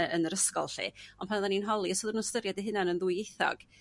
yym yn yr ysgol 'llu ond pan o'dda ni'n holi os o'dda n'w'n ystyried i hunain yn ddwyieithog?